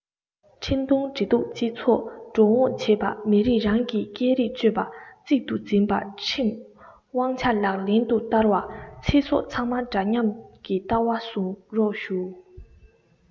འཕྲིན གཏོང འབྲེལ གཏུག སྤྱི ཚོགས འགྲོ འོང བྱེད པ མི རིགས རང གི སྐད རིགས སྤྱོད པ གཙིགས སུ འཛིན པར ཁྲིམས དབང ཆ ལག ལེན དུ བསྟར བ ཚེ སྲོག ཚང མར འདྲ མཉམ གྱི ལྟ བ བཟུང རོགས ཞུ